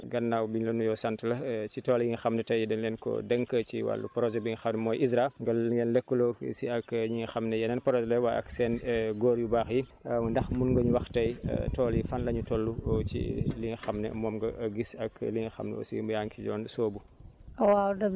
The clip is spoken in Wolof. Ndeye Diagne gannaaw biñ la nuyoo sant la si tool yi nga xam ne tey dañ leen koo dénk ci wàllu projet bi nga xam ne mooy ISRA nga ngeen lëkkaloo fi si ak ñi nga xam ne yeneen projets la waaye ak seen góor yu baax yi ndax mun nga ñu wax tey tool yi fan la ñu toll ci li nga xam ne moom nga gis ak li nga xam ne aussi yaa ngi si doon sóobu